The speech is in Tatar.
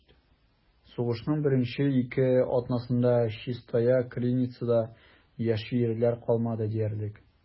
Сугышның беренче ике атнасында Чистая Криницада яшь ирләр калмады диярлек.